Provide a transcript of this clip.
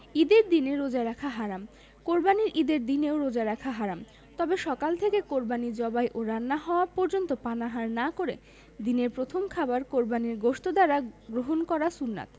ঈদের দিনে রোজা রাখা হারাম কোরবানির ঈদের দিনেও রোজা রাখা হারাম তবে সকাল থেকে কোরবানি জবাই ও রান্না হওয়া পর্যন্ত পানাহার না করে দিনের প্রথম খাবার কোরবানির গোশত দ্বারা গ্রহণ করা সুন্নাত